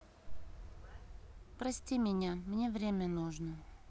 прости меня мне время нужно